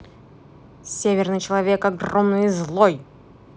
северный человек огромный злой